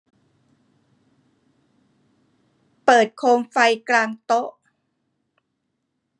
เปิดโคมไฟกลางโต๊ะ